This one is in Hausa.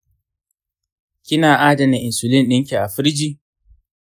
kina adana insulin dinki a firiji?